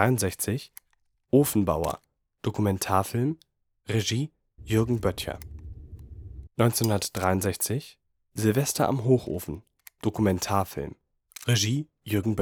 1963: Ofenbauer (Dokumentarfilm, Regie: Jürgen Böttcher) 1963: Silvester am Hochofen (Dokumentarfilm, Regie: Jürgen